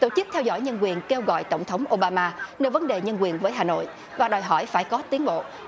tổ chức theo dõi nhân quyền kêu gọi tổng thống o ba ma nếu vấn đề nhân quyền với hà nội đòi hỏi phải có tiến bộ